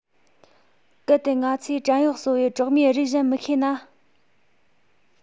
གལ ཏེ ང ཚོས བྲན གཡོག གསོ བའི གྲོག མའི རིགས གཞན མི ཤེས ན